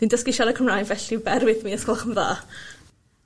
Fi'n dysgu siarad Cymraeg felly bear with me os gwelwch yn dda.